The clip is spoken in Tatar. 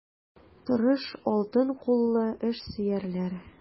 Тырыш, алтын куллы эшсөярләр.